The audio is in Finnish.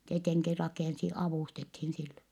tietenkin rakensi avustettiin sille